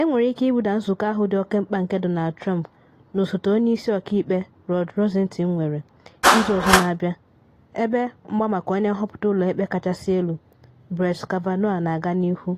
Enwere ike ibuda nzụkọ ahụ dị oke mkpa nke Donald Trump na osote onye isi ọka ikpe Rod Rosenstein nwere “izu ọzọ na-abịa” ebe mgba maka onye nhọpụta ụlọ ikpe kachasị elu Brett Kavanaugh na-aga n’ihu,